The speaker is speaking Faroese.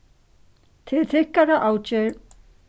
tað er tykkara avgerð